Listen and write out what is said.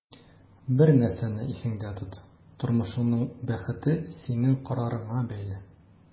Бер нәрсәне исеңдә тот: тормышыңның бәхете синең карарыңа бәйле.